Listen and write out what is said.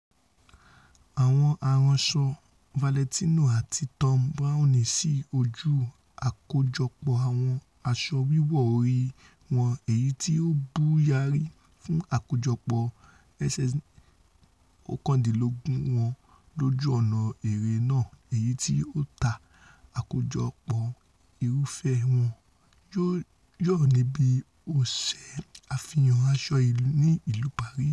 Àwọn aránsọ Valentino àti Thom Browne sị́́ óju àkójọpọ àwọn asọ wíwọ̀ orí wọn èyití o bùyààri fún àkójọpọ̀ SS19 wọn lójú ọ̀nà-eré náà èyití o ta àkojọpọ̀ irúfẹ́ wọn yọ níbi Ọ̀sẹ̀ Àfihàn Asọ ní Ìlú Paris.